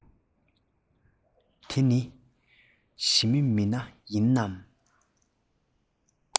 དེ ན ཞི མི མི སྣ ཡིན ནམ